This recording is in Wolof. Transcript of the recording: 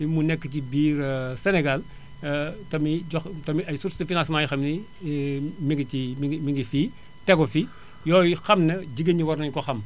mu nekk ci biir Sénégal te muy jox ay sources de financement yoo xam ne nii mi ngi ciy mi ngi mi ngi fii tegu fi yooyu xam na jigéen ñi war nañu ko xam